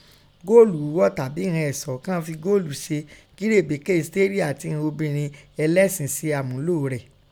Gọ́ọ̀lù ghíghọ́ tàbí ìghọn ẹ̀ṣọ́ káa fin góòlù se kí Rèbékà, Ẹ́sítérì àti ighọn obìrin ẹlẹ́sìn se àmúlò rẹ̀